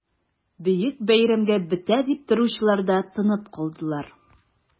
Бөек бәйрәмгә бетә дип торучылар да тынып калдылар...